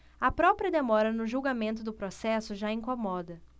a própria demora no julgamento do processo já incomoda